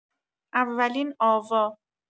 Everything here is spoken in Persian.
اولین آوا